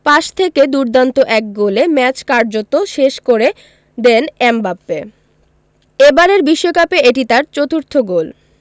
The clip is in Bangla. পাস থেকে দুর্দান্ত এক গোলে ম্যাচ কার্যত শেষ করে দেন এমবাপ্পে এবারের বিশ্বকাপে এটি তার চতুর্থ গোল